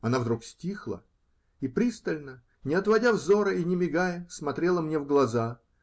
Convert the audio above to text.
Она вдруг стихла и пристально, не отводя взора и не мигая, смотрела мне в глаза